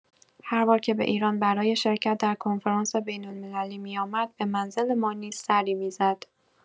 هر بار که به ایران برای شرکت در کنفرانسی بین‌المللی می‌آمد، به منزل ما نیز سری می‌زد.